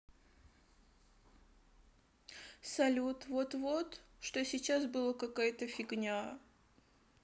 салют вот вот что сейчас было какая то фигня